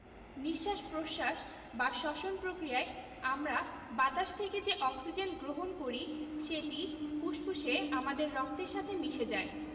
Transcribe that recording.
নিঃশ্বাস প্রশ্বাস বা শ্বসন প্রক্রিয়ায় আমরা বাতাস থেকে যে অক্সিজেন গ্রহণ করি সেটি ফুসফুসে আমাদের রক্তের সাথে মিশে যায়